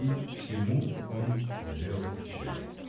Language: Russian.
и всему он сделал честь.